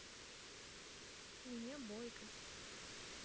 меня бойко